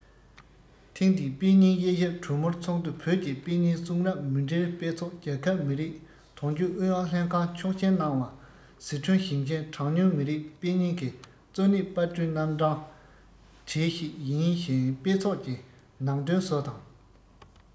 ཐེངས འདིའི དཔེ རྙིང དབྱེ ཞིབ གྲོས མོལ ཚོགས འདུ བོད ཀྱི དཔེ རྙིང གསུང རབ མུ འབྲེལ དཔེ ཚོགས རྒྱལ ཁབ མི རིགས དོན གཅོད ཨུ ཡོན ལྷན ཁང ཆོག མཆན གནང བ སི ཁྲོན ཞིང ཆེན གྲངས ཉུང མི རིགས དཔེ རྙིང གི གཙོ གནད པར སྐྲུན རྣམ གྲངས གྲས ཤིག ཡིན ཞིང དཔེ ཚོགས ཀྱི ནང དོན བཟོ དང